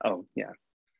Oh yeah.